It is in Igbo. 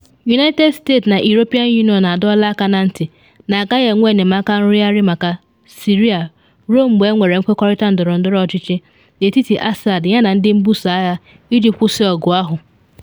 United States na European Union adọọla aka na ntị na agaghị enwe enyemaka nrụgharị maka Syria ruo mgbe enwere nkwekọrịta ndọrọndọrọ ọchịchị n’etiti Assad yana ndị mbuso agha iji kwụsị ọgụ ahụ.